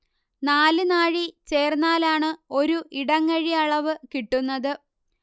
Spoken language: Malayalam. നാല് നാഴി ചേർന്നാലാണ് ഒരു ഇടങ്ങഴി അളവ് കിട്ടുന്നത്